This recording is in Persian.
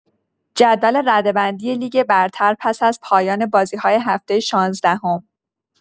جدول رده‌بندی لیگ برتر پس از پایان بازی‌های هفته شانزدهم